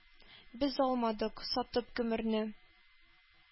Без алмадык сатып гомерне,